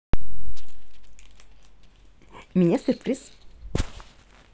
меня сюрприз